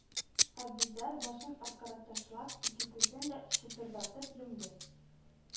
Әбүзәр, башын арткарак ташлап, ике күзен дә чытырдатып йомды